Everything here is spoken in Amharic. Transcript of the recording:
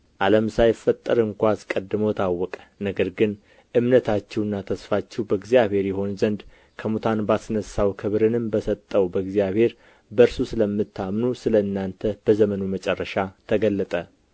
ዓለም ሳይፈጠር እንኳ አስቀድሞ ታወቀ ነገር ግን እምነታችሁና ተስፋችሁ በእግዚአብሔር ይሆን ዘንድ ከሙታን ባስነሣው ክብርንም በሰጠው በእግዚአብሔር በእርሱ ስለምታምኑ ስለ እናንተ በዘመኑ መጨረሻ ተገለጠ